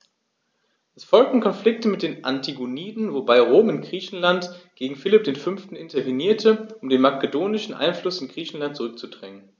Es folgten Konflikte mit den Antigoniden, wobei Rom in Griechenland gegen Philipp V. intervenierte, um den makedonischen Einfluss in Griechenland zurückzudrängen.